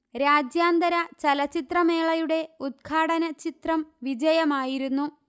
രാജ്യാന്തര ചലച്ചിത്രമേളയുടെ ഉദ്ഘാടന ചിത്രം വിജയമായിരുന്നു